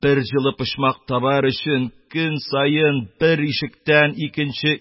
Бер җылы почмак табар өчен, көн саен бер ишектән икенче